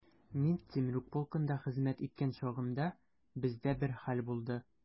Мин Темрюк полкында хезмәт иткән чагымда, бездә бер хәл булды.